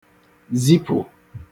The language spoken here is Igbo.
Zipụ̀